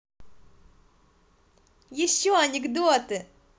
еще анекдоты